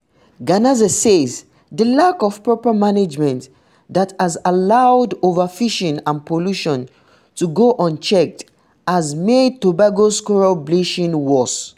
Ganase says the lack of proper management that has allowed overfishing and pollution to go unchecked has made Tobago's coral bleaching worse.